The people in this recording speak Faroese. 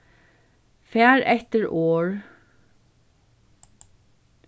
far eftir orð